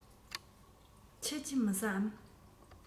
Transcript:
ཁྱེད ཀྱིས མི ཟ འམ